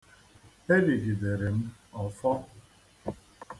Erigidere m ọ fọ.